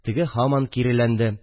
Теге һаман киреләнде